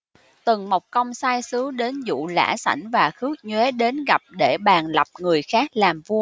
tần mục công sai sứ đến dụ lã sảnh và khước nhuế đến gặp để bàn lập người khác làm vua